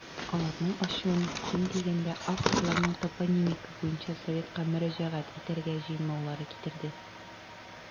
Аларның ачуын, ким дигәндә, авторларның топонимика буенча советка мөрәҗәгать итәргә җыенмаулары китерде.